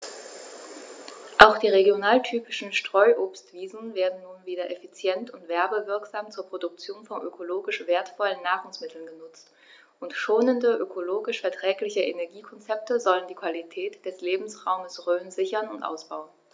Auch die regionaltypischen Streuobstwiesen werden nun wieder effizient und werbewirksam zur Produktion von ökologisch wertvollen Nahrungsmitteln genutzt, und schonende, ökologisch verträgliche Energiekonzepte sollen die Qualität des Lebensraumes Rhön sichern und ausbauen.